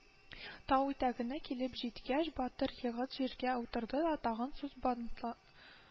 Тау итәгенә килеп җиткәч, батыр егет җиргә утырды да тагын сүз бантла